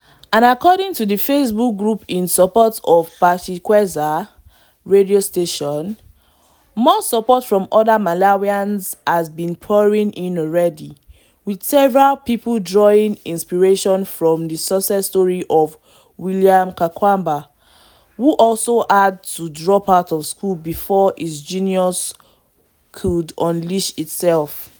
And according to the facebook group “in support of Pachikweza Radio Station“, more support from other Malawians has been pouring in already, with several people drawing inspiration from the success story of William Kamkwamba, who also had to drop out of school before his genius could unleash itself.